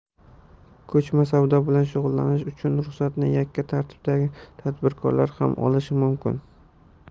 ko'chma savdo bilan shug'ullanish uchun ruxsatni yakka tartibdagi tadbirkorlar ham olishi mumkin